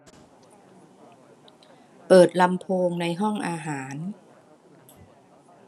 เปิดลำโพงในห้องอาหาร